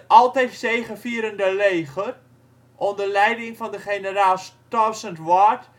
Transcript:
Altijd Zegevierende Leger, onder leiding van de generaals Towsend Ward